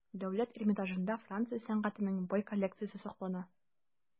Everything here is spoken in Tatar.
Дәүләт Эрмитажында Франция сәнгатенең бай коллекциясе саклана.